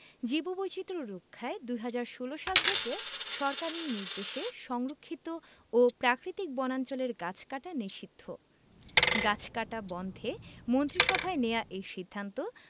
জীববৈচিত্র্য রক্ষায় ২০১৬ সাল থেকে সরকারি নির্দেশে সংরক্ষিত ও প্রাকৃতিক বনাঞ্চলের গাছ কাটা নিষিদ্ধ গাছ কাটা বন্ধে মন্ত্রিসভায় নেয়া এই সিদ্ধান্ত